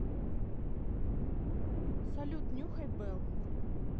салют нюхай белл